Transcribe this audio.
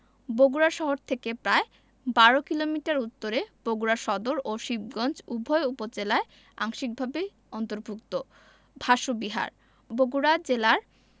বগুড়া শহর থেকে প্রায় ১২ কিলোমিটার উত্তরে বগুড়া সদর ও শিবগঞ্জ উভয় উপজেলায় আংশিকভাবে অন্তর্ভুক্ত ভাসু বিহার বগুড়া জেলার